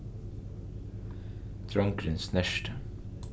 drongurin snerkti